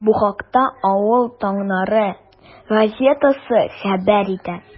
Бу хакта “Авыл таңнары” газетасы хәбәр итә.